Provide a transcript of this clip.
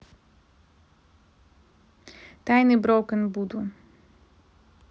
тайны broken буду